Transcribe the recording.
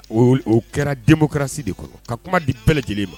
O kɛra denmuso kɛrasi de kɔnɔ ka kuma di bɛɛlɛ lajɛlen ma